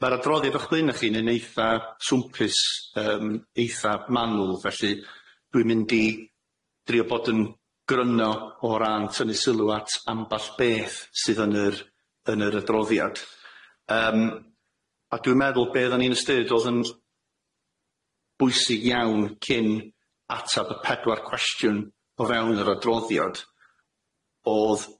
Ma'r adroddiad o'ch bleuna chi'n yn eitha swmpus yym eitha manwl felly dwi'n mynd i drio bod yn gryno o ran tynnu sylw at amball beth sydd yn yr yn yr adroddiad yym a dwi'n meddwl be' oddan ni'n ystyriad o'dd yn bwysig iawn cyn atab y pedwar cwestiwn o fewn yr adroddiad o'dd